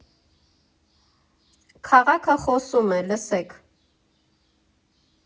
Քաղաքը խոսում է, լսեք։